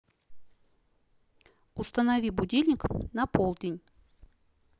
установи будильник на полдень